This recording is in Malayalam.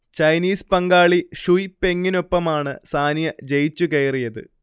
ചൈനീസ് പങ്കാളി ഷുയ് പെങ്ങിനൊപ്പമാണ് സാനിയ ജയിച്ചുകയറിയത്